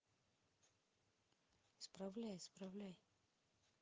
исправляй исправляй